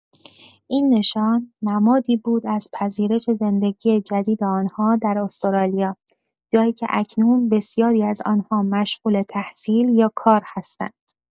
این نشان، نمادی بود از پذیرش زندگی جدید آن‌ها در استرالیا، جایی که اکنون بسیاری از آنها مشغول تحصیل یا کار هستند.